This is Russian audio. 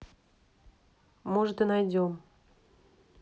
может и найдем